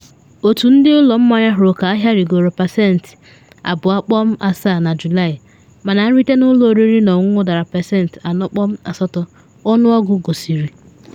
Otu ndị ụlọ mmanya hụrụ ka ahịa rịgoro pasentị 2.7 na Julaị - mana nrite n’ụlọ oriri na ọṅụṅụ dara pasentị 4.8, ọnụọgụ gosiri.